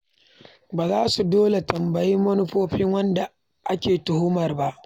Ba za su dole tambayi manufofin wanda ake tuhumar ba.